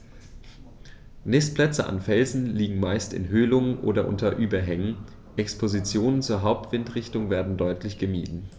Nistplätze an Felsen liegen meist in Höhlungen oder unter Überhängen, Expositionen zur Hauptwindrichtung werden deutlich gemieden.